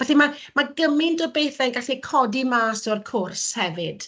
Felly mae mae gymaint o bethau'n gallu codi mas o'r cwrs hefyd.